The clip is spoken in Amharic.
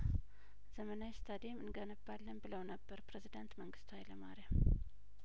ዘመናዊ ስታዲየም እንገነባለን ብለው ነበር ፕሬዚዳንት መንግስቱ ሀይለማርያም